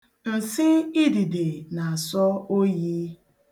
Nsị idide na-asọ oyi.